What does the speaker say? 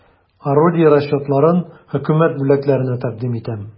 Орудие расчетларын хөкүмәт бүләкләренә тәкъдим итәм.